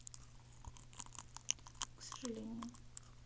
к сожалению